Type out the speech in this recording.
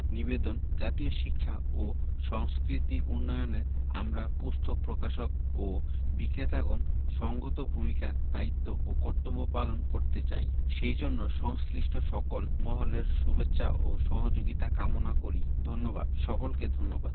নিবেদন জাতীয় শিক্ষা ও সংস্কৃতি উন্নয়নে আমরা পুস্তক প্রকাশক ও বিক্রেতাগণ সঙ্গত ভূমিকা দায়িত্ব ও কর্তব্য পালন করতে চাই সেজন্য সংশ্লিষ্ট সকল মহলের শুভেচ্ছা ও সহযোগিতা কামনা করি ধন্যবাদ সকলকে ধন্যবাদ